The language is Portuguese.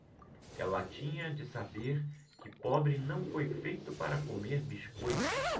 ela tinha de saber que pobre não foi feito para comer biscoito